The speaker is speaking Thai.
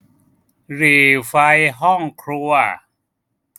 หรี่ไฟห้องครัว